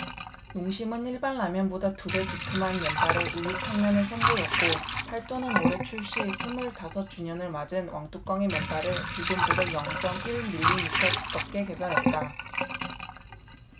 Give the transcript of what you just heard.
농심은 일반라면보다 두 배 두툼한 면발의 우육탕면을 선보였고 팔도는 올해 출시 스물 다섯 주년을 맞은 왕뚜껑의 면발을 기존보다 영 쩜 일 밀리미터 두껍게 개선했다